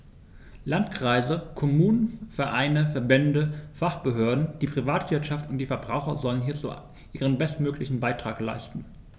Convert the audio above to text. Landkreise, Kommunen, Vereine, Verbände, Fachbehörden, die Privatwirtschaft und die Verbraucher sollen hierzu ihren bestmöglichen Beitrag leisten.